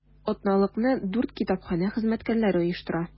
Атналыкны дүрт китапханә хезмәткәрләре оештыра.